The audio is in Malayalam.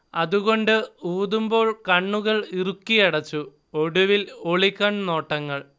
അതുകൊണ്ട് ഊതുമ്പോൾ കണ്ണുകൾ ഇറുക്കിയടച്ചു, ഒടുവിൽ ഒളികൺനോട്ടങ്ങൾ